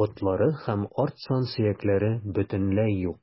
ботлары һәм арт сан сөякләре бөтенләй юк.